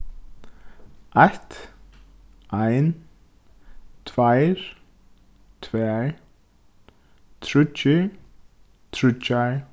eitt ein tveir tvær tríggir tríggjar